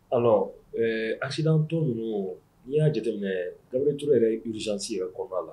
Alors ee accidentés nunun ni ya jateminɛ Gaburuyɛli Ture urgence kɔnɔna la